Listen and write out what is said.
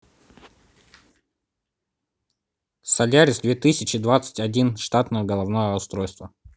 solaris две тысячи двадцать один штатное головное устройство